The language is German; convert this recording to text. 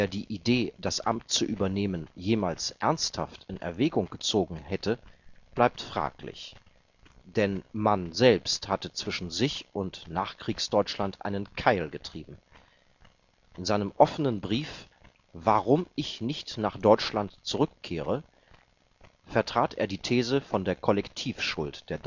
die Idee, das Amt zu übernehmen, jemals ernsthaft in Erwägung gezogen hätte, bleibt fraglich, denn Mann selbst hatte zwischen sich und Nachkriegsdeutschland einen Keil getrieben: In seinem offenen Brief Warum ich nicht nach Deutschland zurückkehre vertrat er die These von der Kollektivschuld der